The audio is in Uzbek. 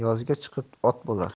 yozga chiqib ot bo'lar